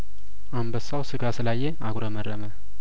አንበሳው ስጋ ስላ የአጉረመረመ